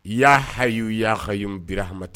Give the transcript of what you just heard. Y ya hayi ya hakɛy bi hamati